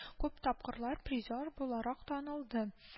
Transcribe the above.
Күп тапкырлар призер буларак танылды